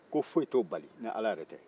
ko foyi t'o bali n'ala yɛrɛ tɛ